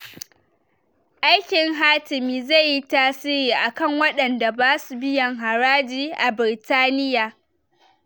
Aikin hatimi zai yi tasiri a kan waɗanda ba su biyan haraji a Birtaniya